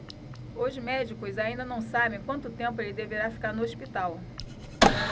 os médicos ainda não sabem quanto tempo ele deverá ficar no hospital